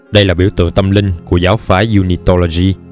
đây là biểu tượng tâm linh của giáo phái unitology